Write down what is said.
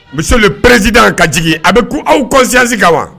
N bɛ seli pɛsid kaj a bɛ' aw kɔsiyasi kan wa